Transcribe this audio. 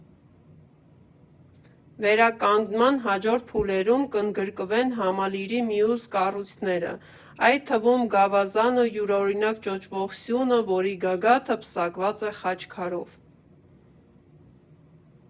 Վերականգման հաջորդ փուլերում կընդգրկվեն համալիրի մյուս կառույցները, այդ թվում՝ Գավազանը՝ յուրօրինակ ճոճվող սյունը, որի գագաթը պսակված է խաչքարով։